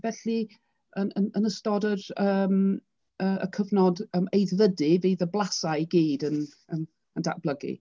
Felly yn yn yn ystod yr yym y cyfnod yym aeddfedu bydd y blasau i gyd yn yn yn datblygu.